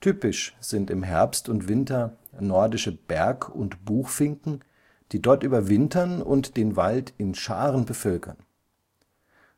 Typisch sind im Herbst und Winter nordische Berg - und Buchfinken, die dort überwintern und den Wald in Scharen bevölkern.